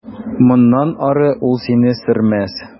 Моннан ары ул сине сөрмәс.